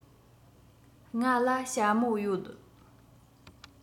ང ལ ཞྭ མོ ཡོད